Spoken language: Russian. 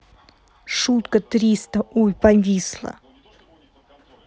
шутка триста хуй повисла